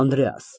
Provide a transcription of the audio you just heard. ՄԱՐԳԱՐԻՏ ֊